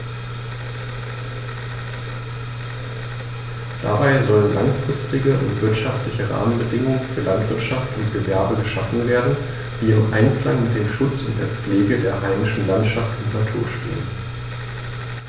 Dabei sollen langfristige und wirtschaftliche Rahmenbedingungen für Landwirtschaft und Gewerbe geschaffen werden, die im Einklang mit dem Schutz und der Pflege der heimischen Landschaft und Natur stehen.